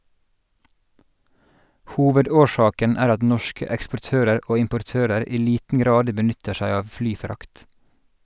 Hovedårsaken er at norske eksportører og importører i liten grad benytter seg av flyfrakt.